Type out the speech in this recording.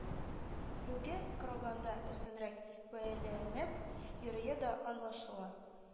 Лүгә караганда өстенрәк бәяләнеп йөрүе дә аңлашыла